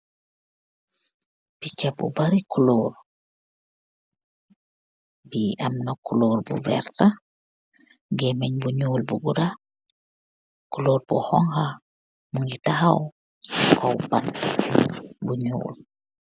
Picha bu barri kuloor, bu tahow ce bant bu nyeoul.